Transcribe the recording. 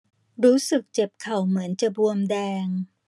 รู้สึกเจ็บเข่าเหมือนจะบวมแดง